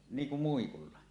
niin kuin muikulla